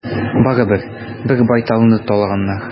Барыбер, бер байталны талаганнар.